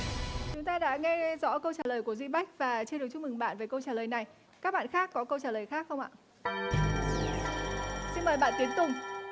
chúng ta đã nghe rõ câu trả lời của duy bách và chưa được chúc mừng bạn về câu trả lời này các bạn khác có câu trả lời khác không ạ xin mời bạn tiến tùng